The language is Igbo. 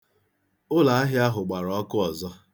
Ụlaahịa ahụ gbara ọkụ ọzọ.